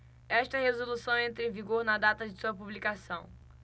esta resolução entra em vigor na data de sua publicação